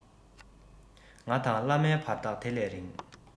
ང དང བླ མའི བར ཐག དེ ལས རིང